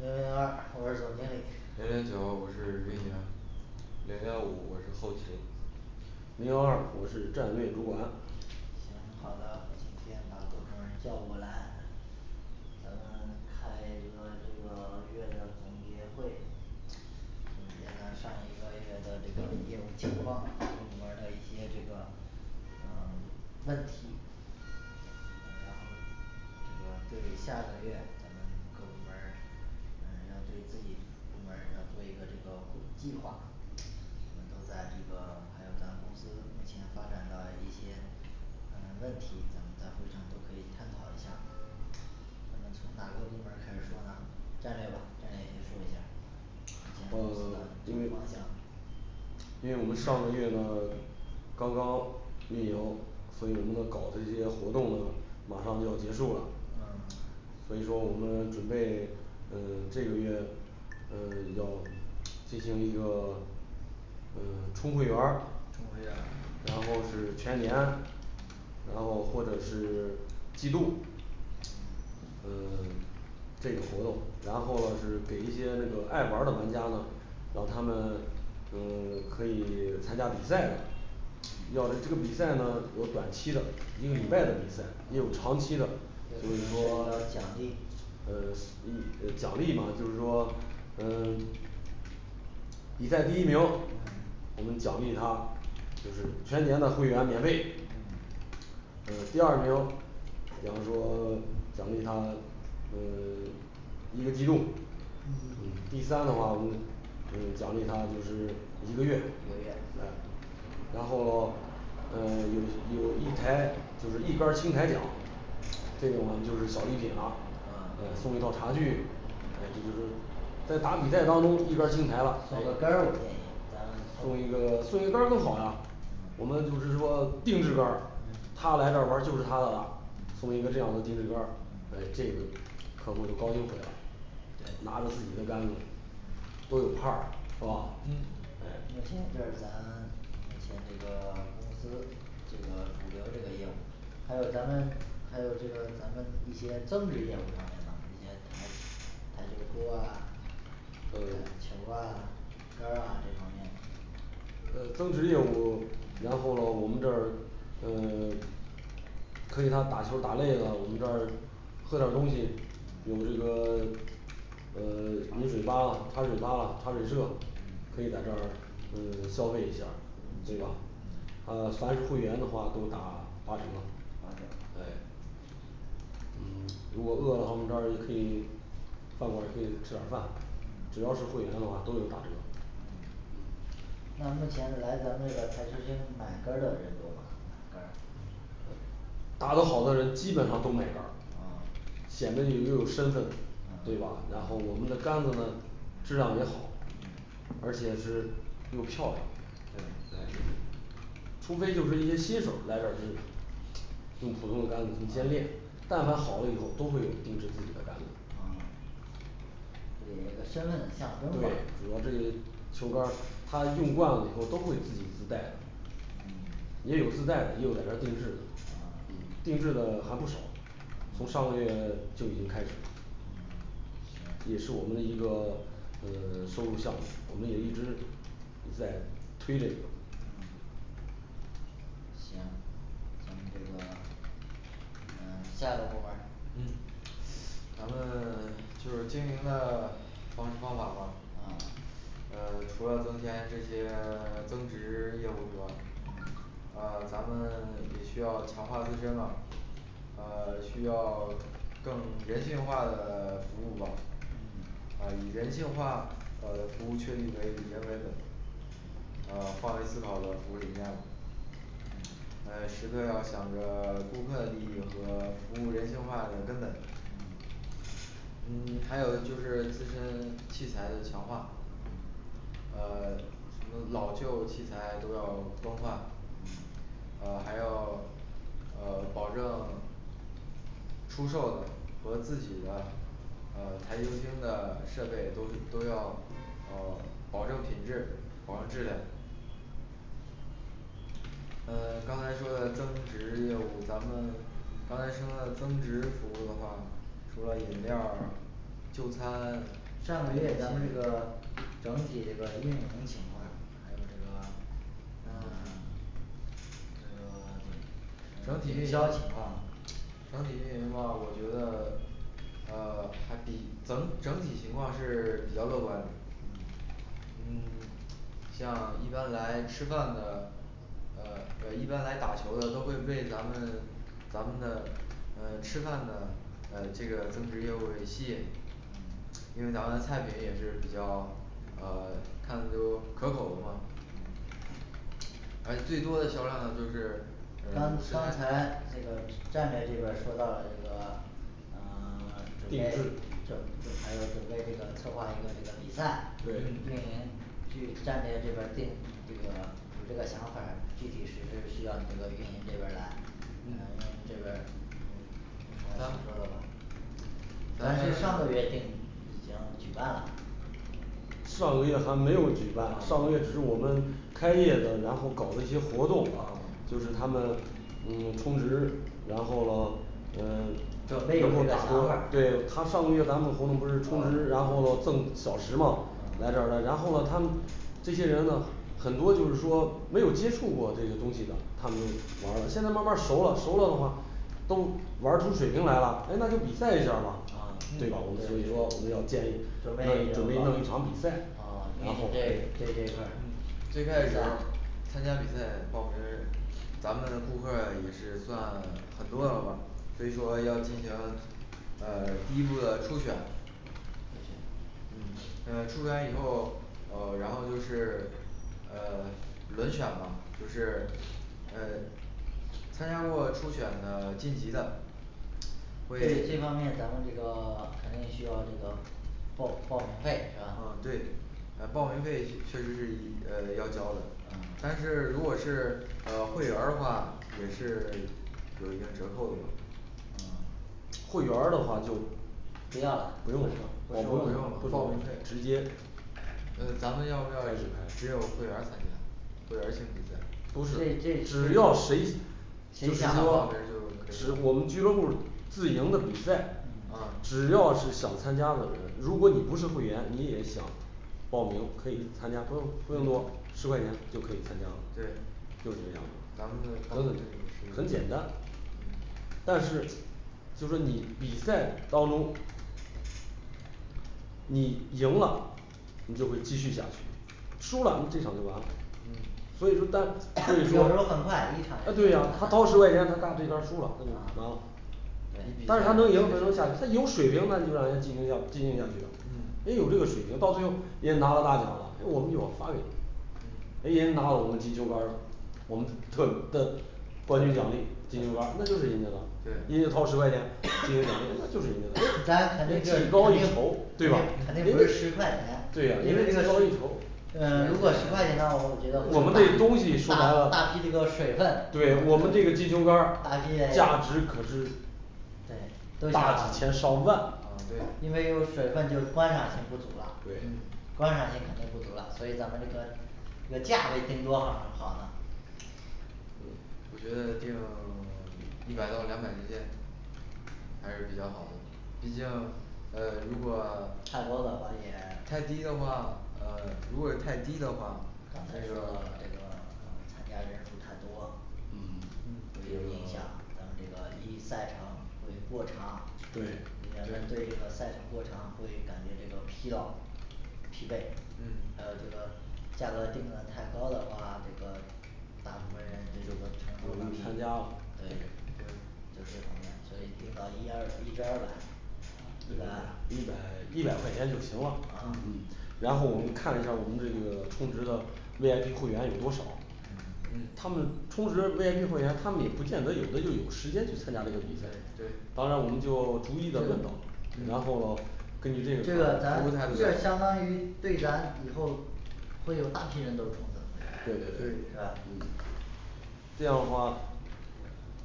零零二我是总经理零零九我是运营零幺五我是后勤零幺二我是战略主管行好的，今天把各部门儿叫过来咱们 开一个这个月的总结会总结了上一个月的这个业务情况，部门儿的一些这个呃问题嗯然后这个对下个月咱们各部门儿嗯要对自己部门儿要做一个这个固 计划咱们都在这个还有咱公司目前发展的一些嗯问题，咱们在会上都可以探讨一下咱们从哪个部门儿开始说呢？战略吧战略先说一下目前呃公司的这因为个方向因为我们上个月呢刚刚运营，所以我们的搞这些活动马上就要结束了。嗯所以说我们准备呃这个月呃要 进行一个呃充会员儿充会员，儿然后是全年，然后或者是季度呃 这个活动，然后是给一些那个爱玩儿的玩家呢让他们嗯 可以参加比赛的要这这个比赛呢有短期的一个礼拜的比赛，也有长期的这肯定涉及所以说到呃奖一励呃奖励嘛就是说嗯比赛第一名嗯，我们奖励他，就是全年的会员免费。嗯呃第二名，比方说 奖励他，嗯 一个季度。嗯，嗯第三的话我们嗯奖励他就是一个月一个月嗯然后咯嗯有有一台就是一杆儿清台奖这个我们就是小礼品了，嗯嗯送一套茶具，哎这嗯就是在打比赛当中一杆儿清台了，送送一个杆儿我建议咱们个送送一个杆儿更好啦我嗯们就是说定制杆儿，嗯他来这儿玩儿就是他的了，嗯送一个这样的定制杆儿，哎嗯这个客户就高兴悔了对拿着自己的杆子多有派儿是吧？嗯目哎前这是咱目前这个 公司这个主流这个业务还有咱们还有这个咱们一些增值业务方面的一些台台球桌啊，球儿啊，杆儿啊这方面呃增值业务，然后我们这儿嗯 可以他打球儿打累了，我们这儿喝点东西，有这嗯个 呃茶水嗯嗯 饮水嗯八折吧茶水吧茶水社，可嗯以在这儿嗯消费一下对嗯吧嗯？啊凡是会员的话都打八折八折，哎嗯如果饿了话我们这儿也可以，饭馆儿可以吃点儿饭，嗯只要是会员的话都有打折。嗯嗯那目前来咱们这个台球儿厅买杆儿的人多吗买杆儿打的好的人基本上都买杆儿嗯，显得你又有身份对嗯吧？然后我们的杆子呢质量也好嗯而且是又漂亮对对，除非就是一些新手儿来这儿只用普通的杆子他们先练，但凡好了以后都会有定制自己的杆子哦这也是个身份的象征嘛对主要这个球杆儿他用惯了以后都会自己自带的嗯也有自带的，也有在这儿定制的，嗯啊定制的还不少，从上个月就已经开始了嗯行也是我们的一个呃 收入项目，我们也一直也在推这个嗯行咱们这个嗯下一个部门儿嗯咱们 就是经营的方式方法吧嗯呃除了增添这些 增值 业务是嗯吧？啊咱们 也需要强化自身了啊需要 更人性化的 服务吧嗯，啊以人性化的服务确立为以人为本啊换位思考的服务理念，哎时刻要想着顾客的利益和服务人性化的根本嗯还有就是自身器材的强化，呃 什么老旧器材都要更换嗯嗯，啊还要呃保证出售的和自己的呃台球厅的设备都是都要呃保证品质，保证质量。嗯刚才说的增值业务，咱们刚才说的增值服务的话，除了饮料儿就餐上个月咱们这个整体这个运营情况还有这个嗯 这整个体整营体销情况的情况我觉得呃还比增整体情况是比较乐观的。嗯嗯 像一般来吃饭的。呃对，一般来打球的都会被咱们咱们的嗯吃饭的，呃这个增值业务给吸引嗯因为咱们菜品也是比较呃看着就可口的嘛嗯而最多的销量呢就是刚刚才那个战略这边儿说到了这个呃 准定备制准准还有准备这个策划一个这个比赛，运运对营去战略这边儿定这个有这个想法儿，具体是不是需要你这个运营这边儿来。嗯因为嗯你这边儿有什么想说的吧咱，咱是上个月定已经举办了上个月还没有举办，上个月只是我们开业的，然后搞的一些活动啊，就是他们嗯充值，然后咯嗯准备有这个，对，想法儿他上个月咱们活动不是充值，然后咯赠小时嘛嗯来这儿了，然后咯他们这些人呢很多就是说没有接触过这个东西的，他们玩儿了现在慢儿慢儿熟了熟了的话都玩儿出水平来啦，诶那就哦对对对准备一要搞，哦运营对比赛一下儿对吧？我们所以说我们要建议准备弄一场比赛，然后这块儿最开始，参加比赛报名咱们的顾客儿也是算很多了吧，所以说要进行呃第一步儿的初选。嗯嗯初选以后，哦然后就是呃轮选了就是呃，参加过初选的晋级的。会，对这方面咱们这个 肯定需要这个报报名费是吧？嗯对咱报名费确实是呃要交的，但嗯嗯是如果是呃会员儿的话也是有一定折扣的嗯会员儿的话就不不要了用交，我不报用名费直接，咱们要不要只有会员儿参加？会员儿性比赛不是，这这只要谁，谁只是谁想想要报说名就是我们俱乐部可自以营的比赛啊，嗯只要是想参加的人，如果你不是会员，你也想报名可以参加，不不用多十块钱就可以参加了，对就是这样。咱们的的，很简单但是就是说你比赛当中你赢了，你就会继续下去，输了你这场就完了。嗯所以说大，有时候很快一场啊就对结呀他掏十块钱，他干这杆儿输束了了那就完了但对是他能赢才能下去，他有水平，那就让他进行下进行下去，也嗯有这个水平，到最后也拿到大奖了，我们就发给你，嗯诶赢拿到我们金球杆儿了，我们特的冠军奖励金球杆儿了那就是人家的了，人就对掏十块钱，奖励那就是人家咱肯的，定就，肯技定肯高一筹对定呀肯定不是十块对呀钱？因因为为这人家个高一筹。嗯如果十块钱那我觉得我们这东西说白了大大批这个水分大，批对的我们这个金球杆儿价值，可是对大几千上万嗯，对因为有水分就观赏性不足啦，对观赏性肯定不足啦，所以咱们这个这个价位定多好好呢呃我觉得定 一百到两百之间还是比较好的毕竟呃如果太高的话也，太刚才低的话呃如果是太低的话说到了这个参加人数太多也有影嗯响，咱们这个一赛程，会过长，对对这个赛程过长会感觉这个疲劳疲惫嗯，还有这个价格定的太高的话，这个大部分人对这个承受能力，参加对就就这方面，所以定到一二一至二百一百一一百百啊块钱就行了。嗯嗯然后我们看一下我们这个充值的 V I P会员有多少嗯，他嗯们充值V I P会员他们也不见得有的，就有时间去参加这个比赛对对，当然我们就逐一的问到，然后咯根据这这个个咱服务态度，，这相当于对咱以后会有大批人都充的，对对是对吧？，嗯这样的话，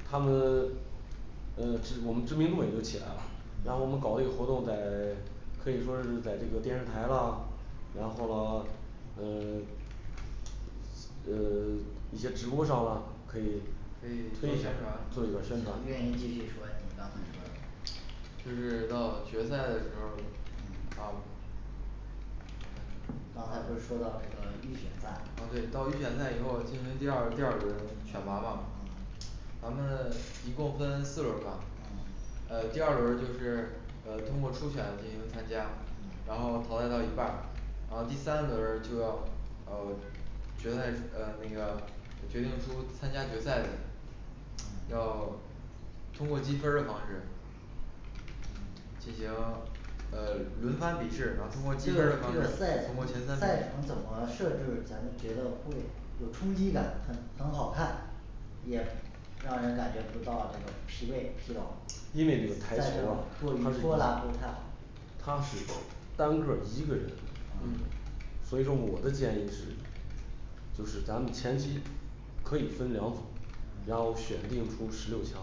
他们 嗯知我们知名度也就起来了，然后我们搞这个活动在 可以说是在这个电视台啦，然后咯，嗯 呃 一些直播上啦，可以推推一一下下做做一个宣宣传传，运营继续说你刚才说的就是到决赛的时候儿啊刚才不是说到这个预选赛嗯对到预选赛以后进行第二第二轮选拔嘛咱们一共分四轮儿吧嗯，呃第二轮儿就是呃通过初选进行参加，然嗯后淘汰掉一半儿然后第三轮儿就要哦决赛呃那个决定出参加决赛的要嗯通过积分儿的方式进行呃轮番嗯比试，然后通过，积这分儿个方这式个赛，通过前程三赛场程怎么设置，咱们觉得会有冲击感很很好看也让人感觉不到这个疲惫疲劳因为这个，台赛球儿啊程它过是于多啦不太好。他是单个儿一个人嗯嗯，所以说我的建议是就是咱们前期可以分两组嗯，然后选定出十六强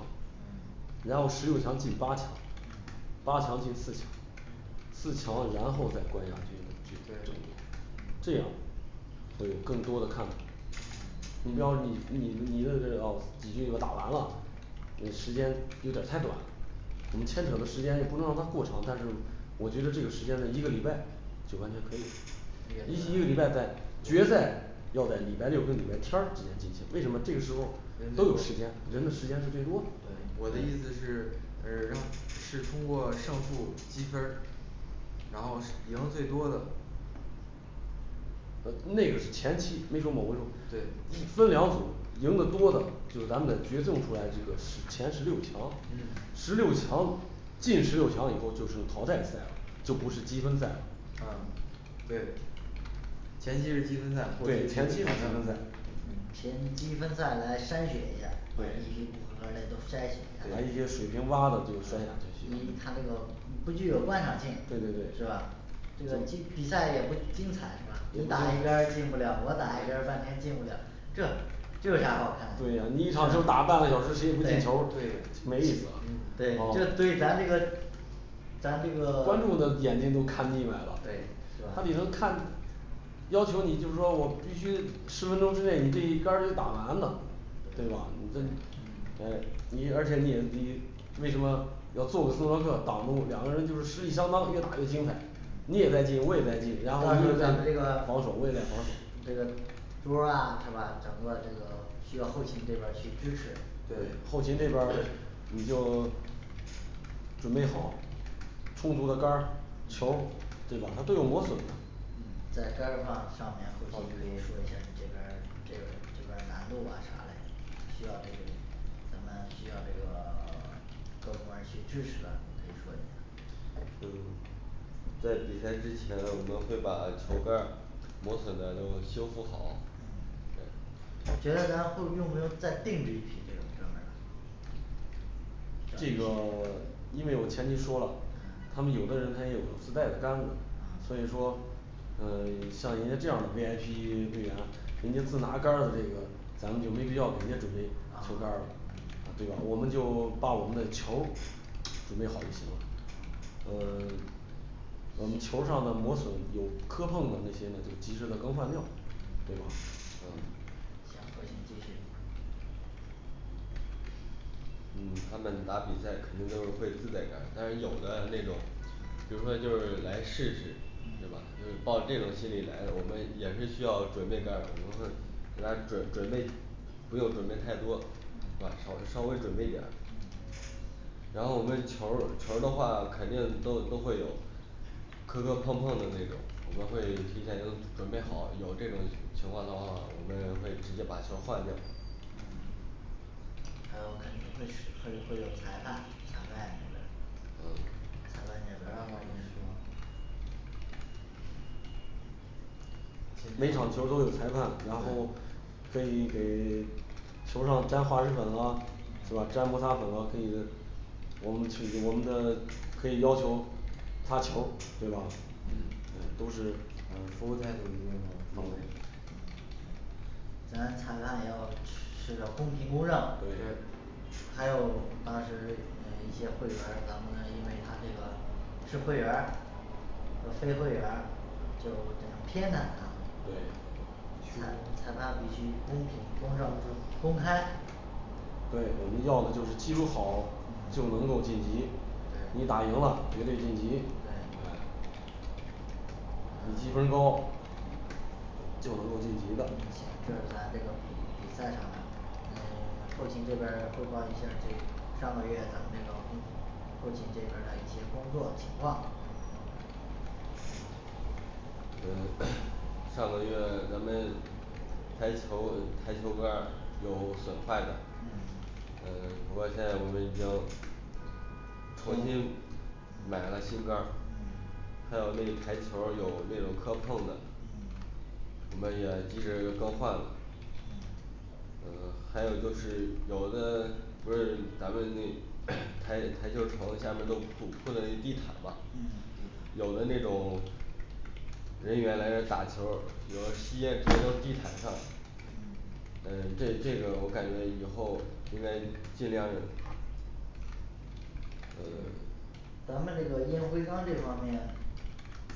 然后十六强进八强嗯，八强进四强，嗯四强然后再冠亚军去争夺对。这样会有更多的看头。你比如说你你你的这啊几局就打完了，你时间有点儿太短我们牵扯的时间也不能让它过长，但是我觉得这个时间一个礼拜就完全可以了。一一一个个礼礼拜拜，在决赛要在礼拜六跟礼拜天儿之间进行，为什么这个时候儿都有时间，人的时间是最多的，对我的意思是呃让是通过胜负积分儿，然后是赢最多的。那个是前期那是某个数对一分两组赢得多的就是咱们的决胜出来，这个是前十六强嗯十六强进十六强以后就是淘汰赛了，就不是积分赛了。啊对前期是积分赛，后对，期是前期是积淘汰。分赛嗯前积分赛来筛选一下一批不合格嘞，都筛选对，一些出水平洼的就筛选出去去，你他那个不具有观赏性对对是对吧？这个既比赛也不精彩是吧？你打一杆儿进不了，我打一杆儿半天进不了，这这有啥好看嘞，对呀嗯你一场球儿打半个小时谁也不进球儿，没意思对就对咱这个咱这个观众的 眼睛都看腻歪了对是，他得能吧看要求你就是说我必须十分钟之内你这一杆儿就打完了，对吧？你这哎你而且你你为什么要做个挡住两个人就是实力相当越打越精彩，你也在进我也在进，然后到防时守，防候咱们这个守这个桌儿啊是吧，整个这个需要后勤这边儿去支持，对后勤这边儿你就准备好充足的杆儿球儿对吧？它都有磨损的。嗯在杆儿况上面后勤可以说一下儿你这边儿这边儿这边儿难度啊啥嘞需要这个人咱们需要这个 各部门儿去支持了，你可以说一下嗯在比赛之前我们会把球杆儿磨损的都修复好。嗯觉得咱后用不用再定制一批这种专门儿的这个 因为我前期说了，他们有的人他也有自带的杆子，所以嗯说嗯 像人家这样的V I P会员，人家自拿杆儿的这个，咱们就没必要给人家准备球杆儿了啊这个我们就 把我们的球儿准备好就行了。嗯 我们球儿上的磨损有磕碰的那些呢就及时的更换掉，对吧嗯行，后勤继续。嗯他们打比赛肯定都是会自带杆儿，但是有的那种比如说就是来试一试是吧嗯？就抱着这种心理来了，我们也是需要准备杆儿，来准准备不用准备太多，是吧嗯？稍微稍微准备一点儿嗯然后我们球儿球儿的话肯定都都会有磕磕碰碰的那种，我们会提前都准备好，有这种情况的话，我们会直接把球儿换掉。嗯还有可能会会会有裁判。裁判这边儿裁判这边儿嗯，裁判需要每场球儿都有裁判，然后可以给球儿上沾滑石粉了，是吧？沾摩擦粉了可以。我们其实我们的可以要求擦球儿对吧？哎都是嗯，啊服务态度一定要到位嗯嗯咱裁判要是公平公正对对，还有当时那个一些会员，咱不能因为他这个是会员儿和非会员儿就不能偏袒他对，全裁判必须公平公正公公开。对我们要的就是技术好就嗯能够晋级，你打赢了绝对晋级哎。对你积分儿高就能够晋级的嗯行这是咱这个比比赛上嗯 后勤这边儿汇报一下这上个月咱们这个工后勤这边儿的一些工作情况。嗯 上个月咱们台球台球杆儿有损坏的嗯，嗯不过现在我们已经重新买了新杆儿嗯，还有那台球儿有那种磕碰的嗯，我们也及时进行更换。嗯呃还有就是有的不是咱们那 还得还就从下面弄铺铺的那地毯嗯吧，地毯有的那种人员来打球儿，有吸烟直接扔地毯上嗯，嗯这这个我感觉以后应该尽量呃咱们这个烟灰缸这方面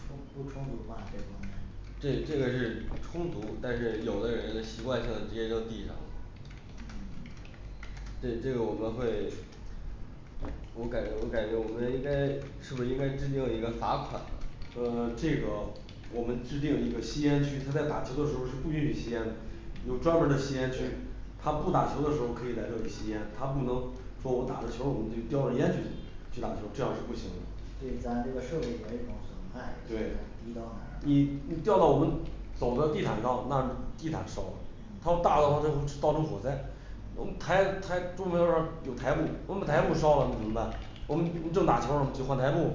不不充足吗这方面这这个是充足，但是有的人习惯性的直接扔地上了嗯这这个我们会我感觉我感觉我们应该是不是应该制定一个罚款呃这个我们制定一个吸烟区，他在打球的时候是不允许吸烟的，有专门儿的吸烟区他不打球的时候可以来这里吸烟，他不能说我打着球儿我们就叼着烟就去打球儿这样是不行的，对咱这个设备也是种损害，有些对，它你滴到哪儿吗你你掉到我们走的地毯上那地毯烧了，它要嗯大的话就会造成火灾。我嗯们台台中间儿这儿有台布，我们台布烧了那怎么办？我们正打球儿呢去换台布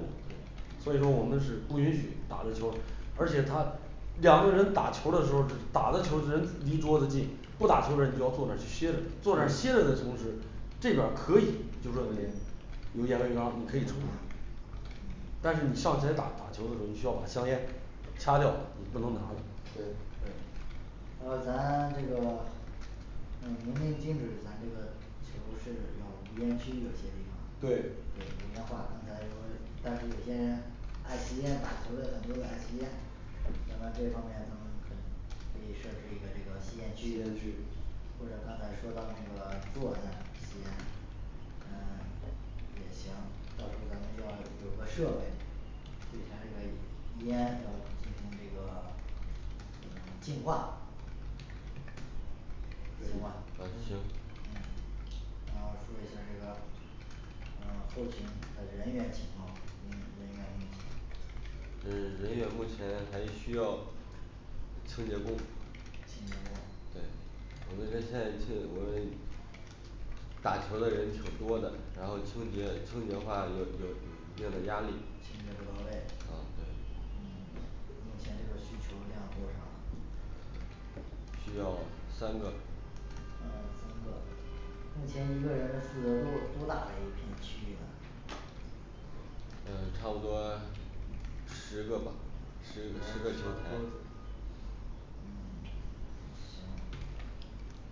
所以说我们是不允许打着球儿，而且他两个人打球儿的时候打的球儿人离桌子近，不打球儿的人你就要坐那儿去歇着，坐那儿歇着的同时这边儿可以就是说有烟灰缸你可以抽烟嗯对但是你上台打打球的时候，你需要把香烟掐掉，你不能拿的对还有咱 这个嗯明令禁止咱这个球室有无烟区有些地方，对对有些话刚才说但是有些人爱吸烟打球的，很多人爱吸烟，那么这方面咱们可以设置一个这个吸烟吸烟区区或者刚才说到那个坐这儿吸烟，嗯也行，到时候咱们要有个设备对他这个烟的进行这个嗯净化。净化嗯嗯行然后说一下儿这个。嗯后勤的人员情况，人人员问题嗯人员目前还需要清洁工。清洁工对打球的人挺多的，然后清洁清洁话有有一定的压力，清洁不到位。啊对嗯目前这边儿需求量多少需要三个嗯三个。目前一个人负责多多大的一片区域呢嗯差不多十个吧，十十个球台嗯行。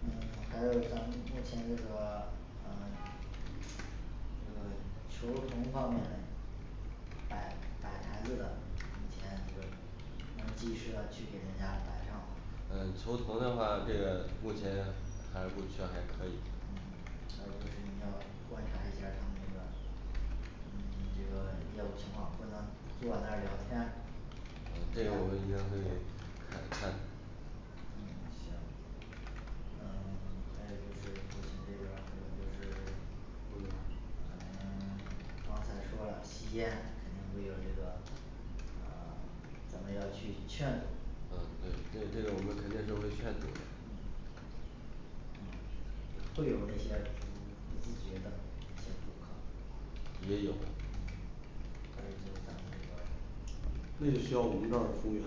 嗯还有咱们目前这个嗯这个球童方面嘞摆摆台子的以前，这个能及时的去给人家摆上嗯球童的话这个目前还是不缺还是可以嗯还有。就是你要观察一下儿他们这个嗯这个业务情况，不能坐那儿聊天儿嗯这个我们也会看看的嗯行，嗯 还有就是后勤这边儿还有就是嗯 刚才说了吸烟肯定会有这个。嗯咱们要去劝阻嗯对，这这个我们肯定是会劝阻。嗯嗯会有那些不不自觉的一些顾客，嗯也有还有就咱们这个那就需要我们这儿服务员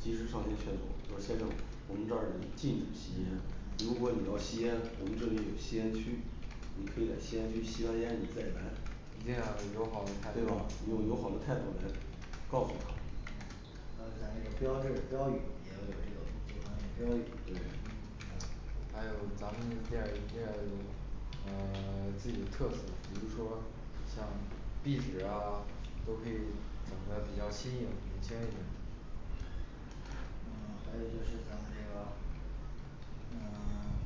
及时上前劝阻，说先生我们这儿里禁止吸烟。如果你要吸烟，我们这里有吸烟区你可以在吸烟区吸完烟你再来一，对定要吧？用用友友好好的的态态度度来告诉他嗯还有咱这个标志标语也要有这个这方面标语。啊对还有咱们店儿店儿里嗯 自己的特色，比如说像壁纸啊都可以整的比较新颖嗯还有就是咱们这个嗯